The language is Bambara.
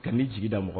Ka' jigi da mɔgɔ